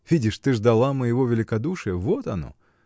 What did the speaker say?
Видишь, ты ждала моего великодушия: вот оно!